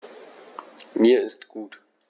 Mir ist gut.